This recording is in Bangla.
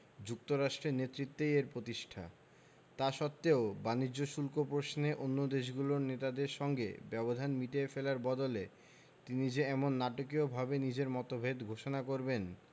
যুক্তরাষ্ট্রের নেতৃত্বেই এর প্রতিষ্ঠা তা সত্ত্বেও বাণিজ্য শুল্ক প্রশ্নে অন্য দেশগুলোর নেতাদের সঙ্গে ব্যবধান মিটিয়ে ফেলার বদলে তিনি যে এমন নাটকীয়ভাবে নিজের মতভেদ ঘোষণা করবেন